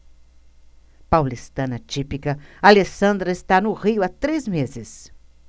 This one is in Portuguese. paulistana típica alessandra está no rio há três meses